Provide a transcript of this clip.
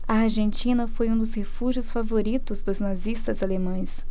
a argentina foi um dos refúgios favoritos dos nazistas alemães